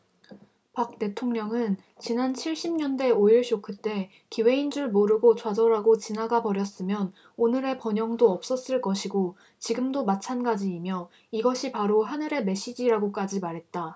박 대통령은 지난 칠십 년대 오일쇼크 때 기회인 줄 모르고 좌절하고 지나가버렸으면 오늘의 번영도 없었을 것이고 지금도 마찬가지이며 이것이 바로 하늘의 메시지라고까지 말했다